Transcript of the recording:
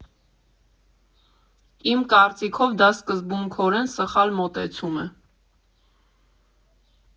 Իմ կարծիքով՝ դա սկզբունքորեն սխալ մոտեցում է.